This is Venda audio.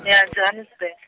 ya Johannesburg.